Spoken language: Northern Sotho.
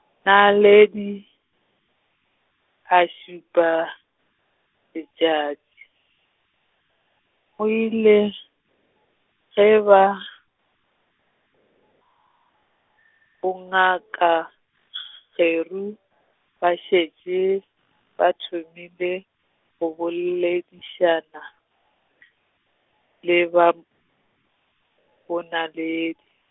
Naledi, a šupa, letšatši, go ile, ge ba, bongaka Kgeru, ba šetše, ba thomile, go boledišana , le ba, bonaledi.